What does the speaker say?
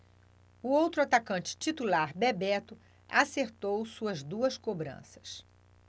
o outro atacante titular bebeto acertou suas duas cobranças